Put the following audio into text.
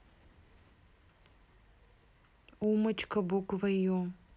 умочка буква ю